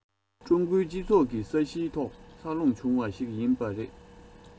ཀྲུང གོའི སྤྱི ཚོགས ཀྱི ས གཞིའི ཐོག འཚར ལོངས བྱུང བ ཞིག ཡིན པས རེད